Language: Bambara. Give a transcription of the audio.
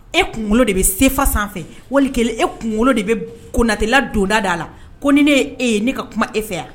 E kunkolo de bɛ sefa sanfɛ wali e kunkolo de bɛ konatɛla dondada a la ko ni ne ye e ye ne ka kuma e fɛ yan